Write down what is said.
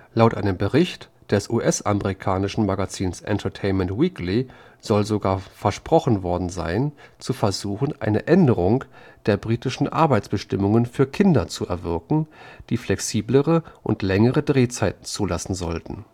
Laut einem Bericht des US-amerikanischen Magazins Entertainment Weekly soll sogar versprochen worden sein, zu versuchen, eine Änderung der britischen Arbeitsbestimmungen für Kinder zu erwirken, die flexiblere und längere Drehzeiten zulassen sollten